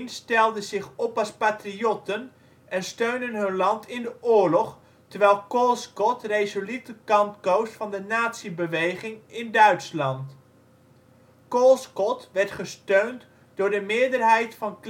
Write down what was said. stelden zich op als patriotten en steunden hun land in de oorlog, terwijl Colescott resoluut de kant koos van de nazibeweging in Duitsland. Colescott werd gesteund door de meerderheid van